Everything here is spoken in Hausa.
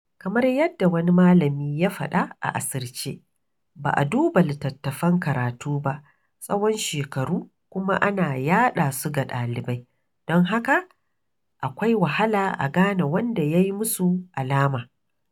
Kamar yadda wani malami ya faɗa a asirce, ba a duba littattafan karatun ba tsawon shekaru kuma ana yaɗa su ga ɗalibai, don haka akwai wahala a gane wanda ya yi musu alama.